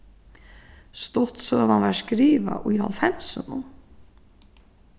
stuttsøgan varð skrivað í hálvfemsunum